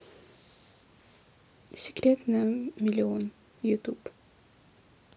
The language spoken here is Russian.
секрет на миллион ютуб